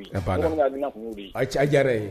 I ɔhɔɔ ne bina dilan kulu de ye a c a diyara yee